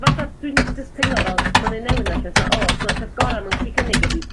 fatha dwi'n jys teimlo fel ma' 'n un newydd nawr 'lly so o so'r peth gora' ma' nw gallu cynnig ydi